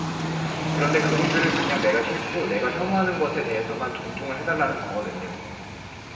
그런데 그분들은 그냥 내가 싫고 내가 혐오하는 것에 대해서만 존중을 해 달라는 거거든요